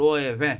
au vingt